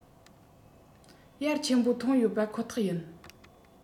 ཡར ཆེན པོ ཐོན ཡོད པ ཁོ ཐག ཡིན